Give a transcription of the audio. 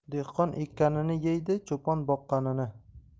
dehqon ekkanini yeydi cho'pon boqqanini